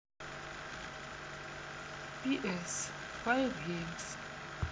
пи эс файв геймс